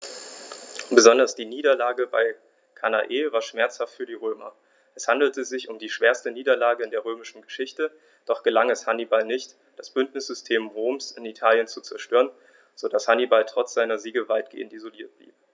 Besonders die Niederlage bei Cannae war schmerzhaft für die Römer: Es handelte sich um die schwerste Niederlage in der römischen Geschichte, doch gelang es Hannibal nicht, das Bündnissystem Roms in Italien zu zerstören, sodass Hannibal trotz seiner Siege weitgehend isoliert blieb.